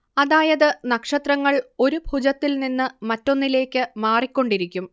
അതായത് നക്ഷത്രങ്ങൾ ഒരു ഭുജത്തിൽ നിന്ന് മറ്റൊന്നിലേക്ക് മാറിക്കൊണ്ടിരിക്കും